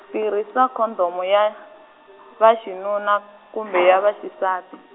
tirhisa khondomu ya, vaxinuna kumbe ya vaxisati.